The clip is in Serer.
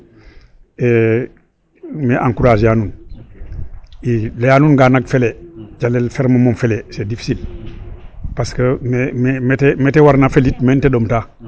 Mexey encourager a nuun i layaa nuun naak felee calel ferme moom felee c' est difficile parce que me ta me ta warna felit me ta ɗomtaa.